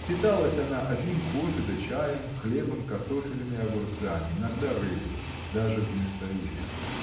Питалась она одним кофе да чаем, хлебом, картофелем и огурцами, иногда рыбою, даже в мясоед.